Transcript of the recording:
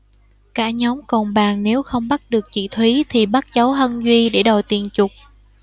cả nhóm còn bàn nếu không bắt được chị thúy thì bắt cháu hân duy để đòi tiền chuộc